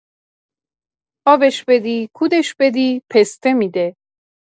آبش بدی، کودش بدی، پسته می‌ده.